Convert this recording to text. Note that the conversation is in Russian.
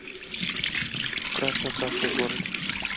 красный красный город